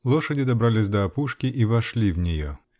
Лошади добрались до опушки и вошли в нее.